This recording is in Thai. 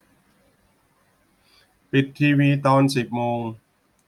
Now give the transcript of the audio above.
ปิดทีวีตอนสิบโมง